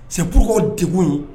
c'est pourquoi dekun in